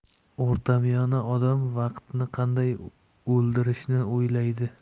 o'rtamiyona odam vaqtni qanday o'ldirishni o'ylaydi